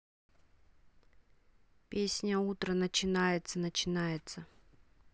песня утро начинается начинается